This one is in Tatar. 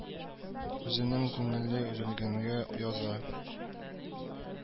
Үзенең күңеле өзелгәнгә яза